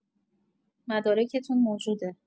مدارکتون موجوده